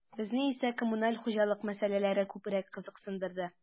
Безне исә коммуналь хуҗалык мәсьәләләре күбрәк кызыксындырды.